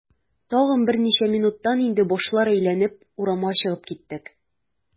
Тагын берничә минуттан инде башлар әйләнеп, урамга чыгып киттек.